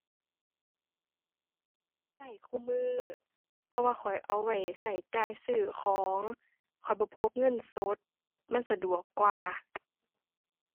ใช้คุมื้อ เพราะว่าข้อยเอาไว้ใช้จ่ายซื้อของ ข้อยบ่พกเงินสด มันสะดวกกว่า